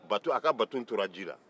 baton a ka baton tora ji la